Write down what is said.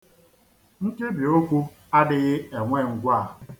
Nkebiokwu adịghị enwe ngwaa.